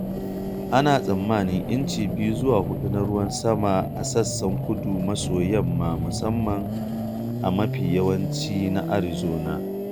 Ana tsammanin inci 2 zuwa 4 na ruwan sama a sassan kudu-maso-yamma, musamman a mafi yawanci na Arizona.